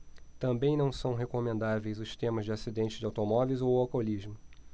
também não são recomendáveis os temas de acidentes de automóveis ou alcoolismo